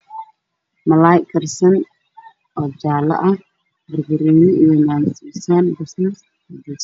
Waa saxan cadaan waxaa ku jira hilib gadiid oo suuga leh